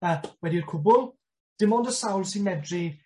A, wedi'r cwbwl, dim ond y sawl sy'n medru